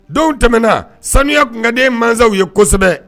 Don tɛmɛna samiya kun kaden mansaw ye kosɛbɛ